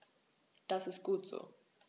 Das ist gut so.